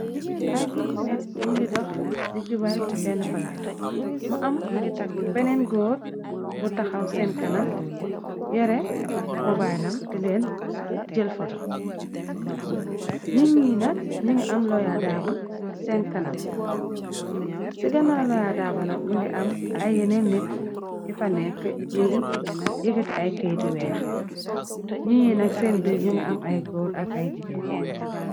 ay gurupp nit ñi ngi dox di jubal benn pala mu am beneen góor bu taxaw seen kanam yere mobaay lam te leen jël foto a loyab seenkanam ci gana looya daaba na bu ngi am ay yeneen nit yi fanek ñi ngi yëgati ay keyti weex ñini nag seen bir ñu ngi am ay góor ak ay jigéen